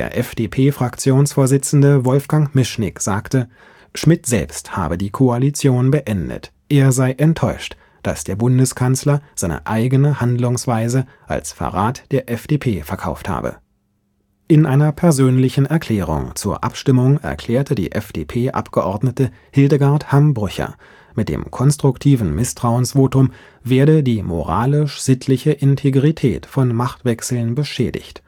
FDP-Fraktionsvorsitzende Wolfgang Mischnick sagte, Schmidt selbst habe die Koalition beendet; er sei enttäuscht, dass der Bundeskanzler seine eigene Handlungsweise als Verrat der FDP verkauft habe. In einer persönlichen Erklärung zur Abstimmung erklärte die FDP-Abgeordnete Hildegard Hamm-Brücher, mit dem konstruktiven Misstrauensvotum werde die „ moralisch-sittliche Integrität “von Machtwechseln beschädigt